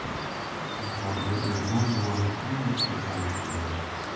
yuqorida ermon buvaning ingichka tovushi keladi